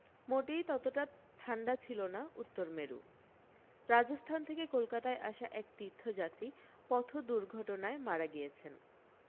মোটেই ততটা ঠান্ডা ছিল না উত্তর মেরু রাজস্থান থেকে কলকাতায় আসা এক তীর্থযাত্রী পথ দুর্ঘটনায় মারা গিয়েছেন